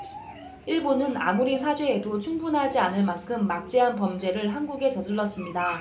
일본은 아무리 사죄해도 충분하지 않을 만큼 막대한 범죄를 한국에 저질렀습니다